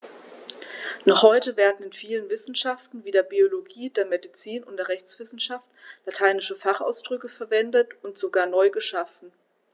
Noch heute werden in vielen Wissenschaften wie der Biologie, der Medizin und der Rechtswissenschaft lateinische Fachausdrücke verwendet und sogar neu geschaffen.